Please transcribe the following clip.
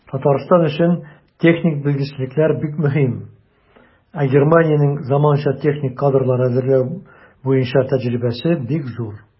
Татарстан өчен техник белгечлекләр бик мөһим, ә Германиянең заманча техник кадрлар әзерләү буенча тәҗрибәсе бик зур.